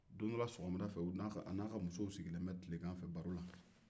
don dɔ la sɔgɔmada fɛ u n'a ka ani a ka musow sigilen bɛ tilegan fɛ baro la